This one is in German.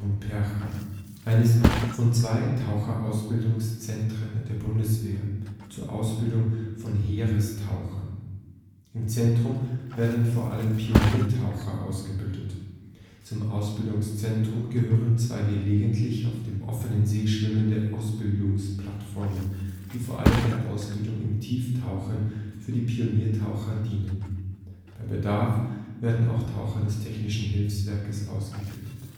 Percha, eines von zwei Taucherausbildungszentren der Bundeswehr zur Ausbildung von Heerestauchern. Im Zentrum werden vor allem Pioniertaucher ausgebildet. Zum Ausbildungszentrum gehören zwei gelegentlich auf dem offenen See schwimmende Ausbildungsplattformen, die vor allem der Ausbildung im Tieftauchen für die Pioniertaucher dienen. Bei Bedarf werden auch Taucher des Technischen Hilfswerkes ausgebildet